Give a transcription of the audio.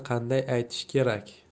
qanday aytish kerak